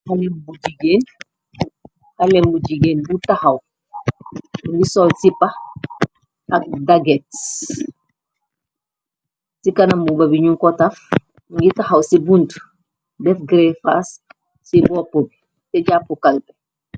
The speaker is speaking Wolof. Haleh bu jigéen bu taxaw ngi sol cipa ak dagets ci kanambuba biñu kotaf ngi taxaw ci bunt def gray fars ci bopp bi te jàppu kalpe.